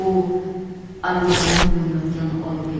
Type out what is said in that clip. u alangalanib yonayotgan olovga